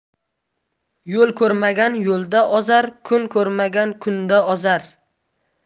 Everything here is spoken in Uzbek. yo'l ko'rmagan yo'lda ozar kun ko'rmagan kunda ozar